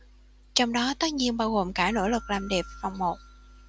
trong đó tất nhiên bao gồm cả nỗ lực làm đẹp vòng một